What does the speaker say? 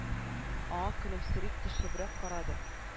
Аңа көлемсери төшебрәк карады